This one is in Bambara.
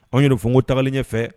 Anw yɛrɛ fɔ ko talen ɲɛ fɛ